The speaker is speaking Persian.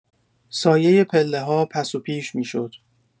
سایه پله‌ها پس و پیش می‌شد.